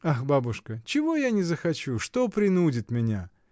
— Ах, бабушка, чего я не захочу, что принудит меня?